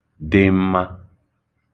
dị̄ m̄mā